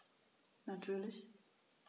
Natürlich.